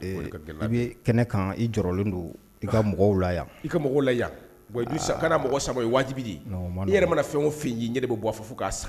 I bɛ kɛnɛkan, i jɔrɔlen don i ka mɔgɔw la yan, i ka la mɔgɔw, wa Idirisa i ka na mɔgɔ sama o ye wajibi de ye ni yɛrɛ mana fɛn o fɛn ye u ɲɛ mana bɔ fɛ, f'u kan san